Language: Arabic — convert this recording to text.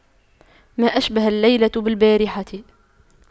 ما أشبه الليلة بالبارحة